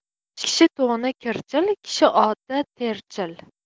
kishi to'ni kirchil kishi oti terchil